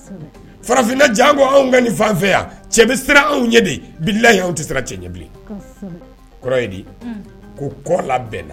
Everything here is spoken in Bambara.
Farafinna jan ko anw ka ni fan fɛ yan , cɛ bi siran anw ɲɛ de bilaye anw tɛ siran cɛ ɲɛ bilen . Kɔsɛbɛ O kɔrɔ ye di ? Ko nɔrɔla bɛɛ